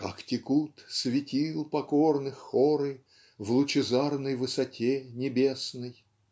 "как текут светил покорных хоры в лучезарной высоте небесной".